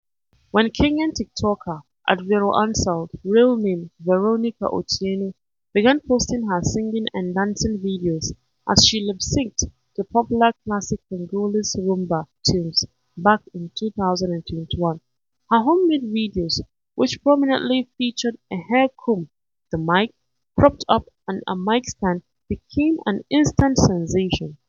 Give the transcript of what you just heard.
When Kenyan Tiktoker @Veroansalt (real name Veronica Otieno) began posting her singing and dancing videos as she lipsynched to popular classic Congolese Rhumba tunes back in 2021, her homemade videos which prominently featured a hair comb (the mic) propped up on a mic stand became an instant sensation.